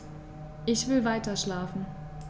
Ich will weiterschlafen.